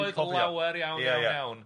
lawer iawn iawn iawn.